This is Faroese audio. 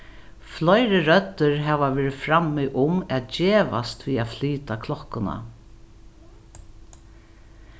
fleiri røddir hava verið frammi um at gevast við at flyta klokkuna